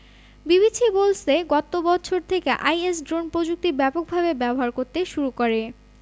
বিবিসির বলছে গত বছর থেকে আইএস ড্রোন প্রযুক্তি ব্যাপকভাবে ব্যবহার করতে শুরু করে